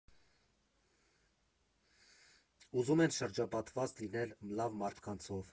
Ուզում են շրջապատված լինել լավ մարդկանցով։